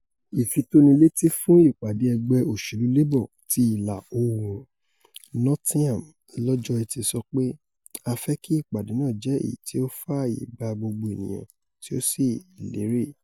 ̀Ìfitónilétí fún ìpàdé ẹ̵gbẹ́ òṣèlú Labour ti Ìlà-oòrùn Nottingham lọ́jọ́ Ẹtì sọ pé ''a fẹ́ kí ìpàdé náà jẹ́ èyití ó fààyè gba gbogbo ènìyàn tí ó sì lérè.''